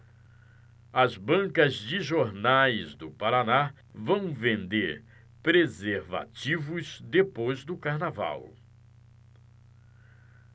as bancas de jornais do paraná vão vender preservativos depois do carnaval